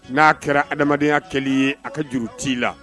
N'a kɛra adamadamadenyaya kɛlen ye a ka juru t' la